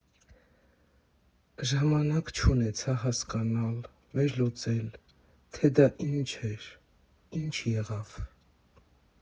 Ժամանակ չունեցա հասկանալ, վերլուծել, թե դա ինչ էր, ինչ եղավ։